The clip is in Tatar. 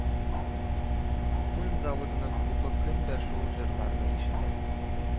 Күн заводының клубы көн дә шул җырларны ишетә